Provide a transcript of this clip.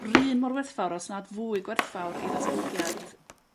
'run mor werthfawr os nad fwy gwerthfawr i ddatblygiad